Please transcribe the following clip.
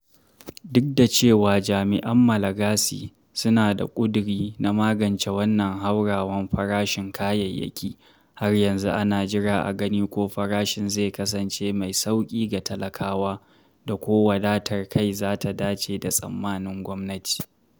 Duk da cewa jami’an Malagasy suna da ƙuduri na magance wannan hauhawar farashin kayayyaki, har yanzu ana jira a gani ko farashin zai kasance mai sauƙi ga talakawa da ko wadatar kai za ta dace da tsammanin gwamnati.